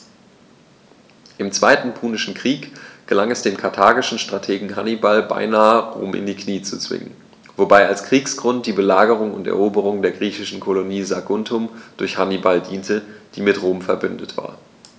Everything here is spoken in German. Im Zweiten Punischen Krieg gelang es dem karthagischen Strategen Hannibal beinahe, Rom in die Knie zu zwingen, wobei als Kriegsgrund die Belagerung und Eroberung der griechischen Kolonie Saguntum durch Hannibal diente, die mit Rom „verbündet“ war.